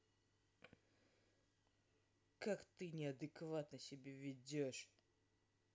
как ты неадекватно себя ведешь